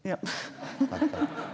ja .